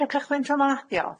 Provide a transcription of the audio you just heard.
Chi'o' cychwyn tro ma'? Diolch.